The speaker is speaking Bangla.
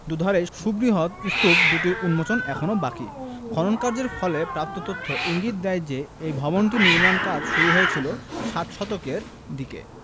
দুধারের সুবৃহৎ স্তূপ দুটির উন্মোচন এখনও বাকি খননকার্যের ফলে প্রাপ্ত তথ্য ইঙ্গিত দেয় যে এই ভবনগুলির নির্মাণ কাজ শুরু হয়েছিল সাত শতকের দিকে